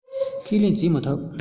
ཁས ལེན བྱེད མི ཐུབ